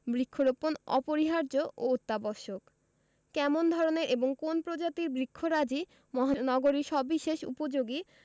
বৃক্ষরোপণ অপরিহার্য ও অত্যাবশ্যক কেমন ধরনের এবং কোন্ প্রজাতির বৃক্ষরাজি মহানগরীর সবিশেষ উপযোগী